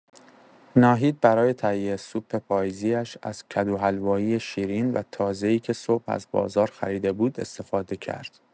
ناهید برای تهیه سوپ پاییزی‌اش از کدوحلوایی شیرین و تازه‌ای که صبح از بازار خریده بود، استفاده کرد.